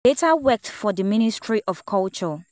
He later worked for the Ministry of Culture.